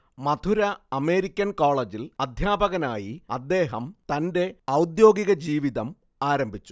മധുര American കോളെജിൽ അദ്ധ്യാപകനായി അദ്ദേഹം തന്റെ ഔദ്യോഗിക ജീവിതം ആരംഭിച്ചു